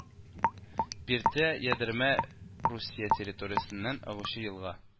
Пирте-Ядерма Русия территориясеннән агучы елга